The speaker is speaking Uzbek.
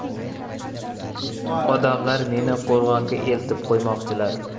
otamlar meni qo'rg'onga eltib qo'ymoqchilar